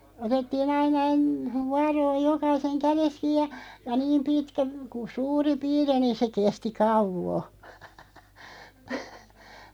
otettiin aina - vuoroa jokaisen kädestä kiinni ja ja niin pitkä kun suuri piiri oli niin se kesti kauan